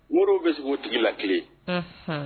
Wari bɛ k o tigi la kelen